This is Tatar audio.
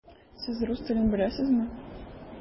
Сез рус телен беләсезме?